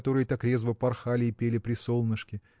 которые так резво порхали и пели при солнышке?